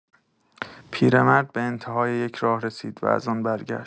پیرمرد به انت‌های یک راه رسید و از آن برگشت.